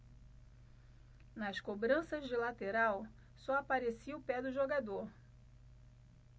nas cobranças de lateral só aparecia o pé do jogador